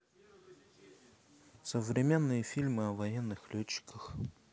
современные фильмы о военных летчиках